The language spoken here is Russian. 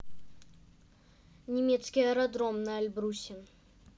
немецкий аэродром на эльбрусе